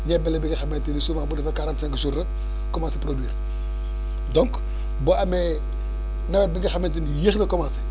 ñebe la bi nga xamante ni souvent bu defee quarante cinq jour rek commencé produire donc boo amee nawet bi nga xamante ni yéex na commencé